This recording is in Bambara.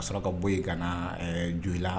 A saraka ka bɔ yen ka na jo la